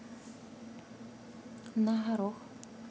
на горох